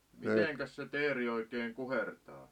mitenkäs se teeri oikein kuhertaa